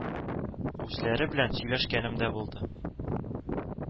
Үзләре белән сөйләшкәнем дә булды